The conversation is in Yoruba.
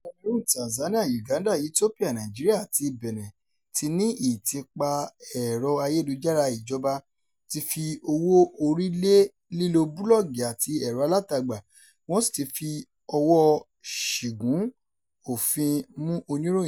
Cameroon, Tanzania, Uganda, Ethiopia, Nigeria, àti Benin ti ní Ìtìpa Ẹ̀rọ-ayélujára, ìjọba ti fi owó-orí lé lílo búlọ́ọ̀gù àti ẹ̀rọ-alátagbà, wọ́n sì ti fi ọwọ́ ṣìgún òfin mú oníròyìn.